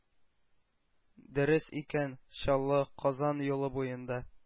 Дөрес икән. Чаллы – Казан юлы буенда